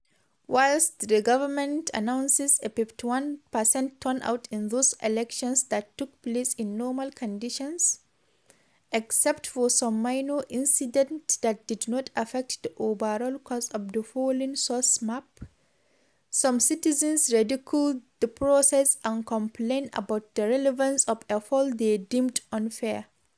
Whilst the government announces a “51% turnout in those elections that took place in normal conditions, except for some minor incidents that did not affect the overall course of the polling” (source: MAP), some citizens ridiculed the process and complained about the relevance of a poll they deemed unfair.